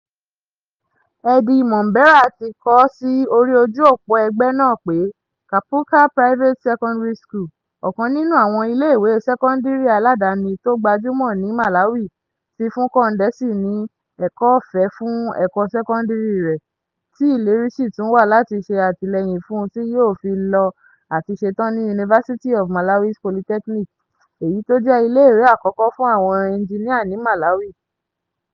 Eddie Mombera ti kọọ́ sí orí ojú òpó ẹgbẹ́ náà pé Kaphuka Private Secondary School, ọkàn nínú àwọn iléèwé sẹ́kọ́ndírì aládáni tó gbajúmọ̀ ní Malawi, ti fún Kondesi ní "ẹ̀kọ́ ọ̀fẹ́ fún ẹ̀kọ́ sẹ́kọ́ndírì rẹ̀" tí ìlérí sì tún wà láti ṣe àtìlẹyìn fún tí yóò fi lọ àti setán ní University of Malawi's Polytechnic, èyí tó jẹ́ iléèwé àkọ́kọ́ fún àwọn ẹnjiníà ní Malawi.